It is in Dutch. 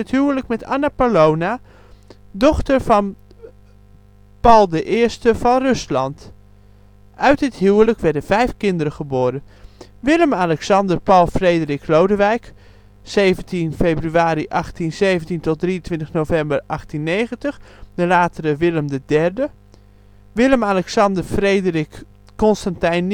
huwelijk met Anna Paulowna, dochter van Paul I van Rusland. Uit dit huwelijk werden vijf kinderen geboren: Willem Alexander Paul Frederik Lodewijk (17 februari 1817 - 23 november 1890), de latere Willem III Willem Alexander Frederik Constantijn